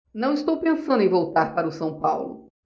não estou pensando em voltar para o são paulo